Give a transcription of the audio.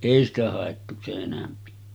ei sitä haettu sen enempi